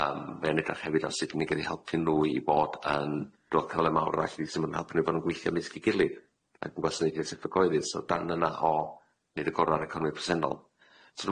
Yym mae o'n edrach hefyd ar sud deni'n gellu helpu n'w i bod yn gweithio'n ymysg i gilydd ag yn gwasanaethe cyhoeddus so dan yna o neud y gora o'r economi presennol.